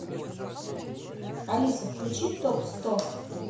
алиса включи топ сто